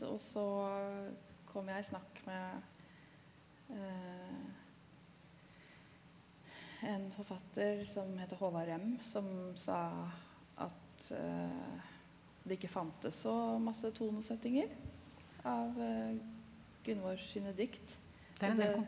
og så kom jeg i snakk med en forfatter som heter Håvard Rem som sa at det ikke fantes så masse tonesettinger av Gunvor sine dikt .